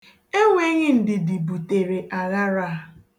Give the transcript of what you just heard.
E nweghị ndidi butere aghara a